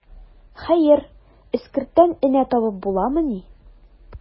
Хәер, эскерттән энә табып буламыни.